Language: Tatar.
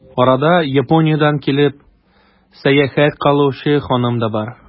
Арада, Япониядән килеп, сәяхәт кылучы ханым да бар.